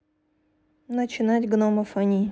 начинать гномов они